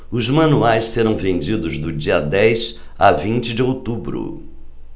os manuais serão vendidos do dia dez a vinte de outubro